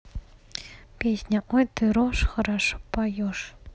песня ой ты рожь хорошо поешь